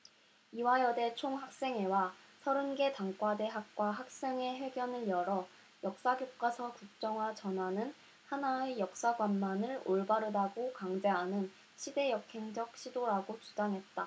이화여대 총학생회와 서른 개 단과대 학과 학생회 회견을 열어 역사 교과서 국정화 전환은 하나의 역사관만을 올바르다고 강제하는 시대 역행적 시도라고 주장했다